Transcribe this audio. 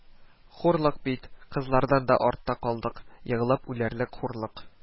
Хурлык бит, кызлардан да артта калдык, егылып үләрлек хурлык